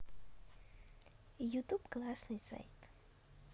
youtube классный сайт